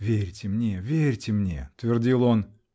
-- Верьте мне, верьте мне, -- твердил он.